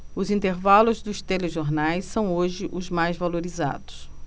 os intervalos dos telejornais são hoje os mais valorizados